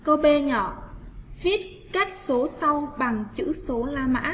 cô bé nhỏ các số sau bằng chữ số la mã